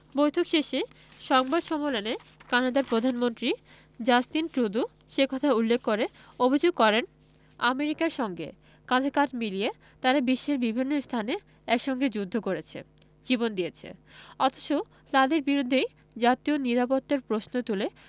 বৈঠক শেষে সংবাদ সম্মেলনে কানাডার প্রধানমন্ত্রী জাস্টিন ট্রুডো সে কথা উল্লেখ করে অভিযোগ করেন আমেরিকার সঙ্গে কাঁধে কাঁধ মিলিয়ে তারা বিশ্বের বিভিন্ন স্থানে একসঙ্গে যুদ্ধ করেছে জীবন দিয়েছে অথচ তাঁদের বিরুদ্ধেই জাতীয় নিরাপত্তার প্রশ্ন তুলে